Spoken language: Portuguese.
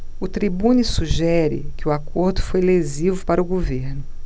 o tribune sugere que o acordo foi lesivo para o governo